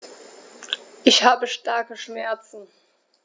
Ich habe starke Schmerzen.